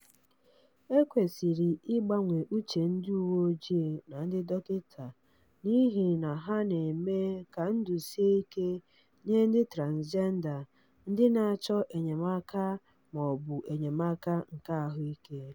E kwesịrị ịgbanwe uche ndị uweojii na ndị dọkịta n'ihi ha na-eme ka ndụ sie ike nye ndị Transịjenda ndị na-achọ enyemaka ma ọ bụ enyemaka nke ahụike.